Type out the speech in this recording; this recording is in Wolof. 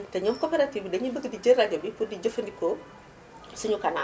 te ñoom coopérative bi dañuy bëgg di jël rajo bi pour di jëfandikoo suñu canal